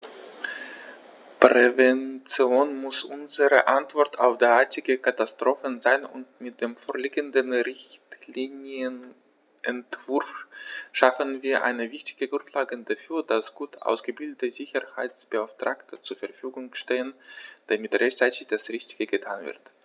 Prävention muss unsere Antwort auf derartige Katastrophen sein, und mit dem vorliegenden Richtlinienentwurf schaffen wir eine wichtige Grundlage dafür, dass gut ausgebildete Sicherheitsbeauftragte zur Verfügung stehen, damit rechtzeitig das Richtige getan wird.